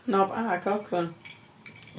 Nob a coc o?